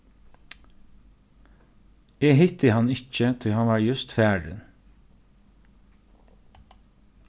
eg hitti hann ikki tí hann var júst farin